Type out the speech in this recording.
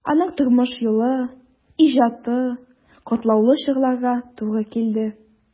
Аның тормыш юлы, иҗаты катлаулы чорларга туры килде.